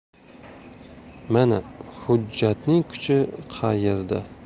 mana hujjatning kuchi qaerda